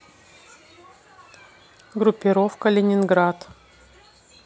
группировка ленинград